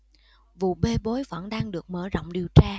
vụ bê bối vẫn đang được mở rộng điều tra